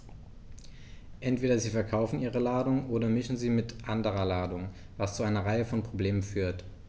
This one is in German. Entweder sie verkaufen ihre Ladung oder mischen sie mit anderer Ladung, was zu einer Reihe von Problemen führt.